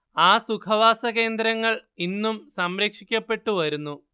ആ സുഖവാസകേന്ദ്രങ്ങൾ ഇന്നും സംരക്ഷിക്കപ്പെട്ടു വരുന്നു